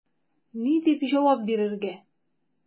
Ни дип җавап бирергә?